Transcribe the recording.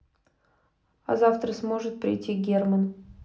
а завтра сможет прийти герман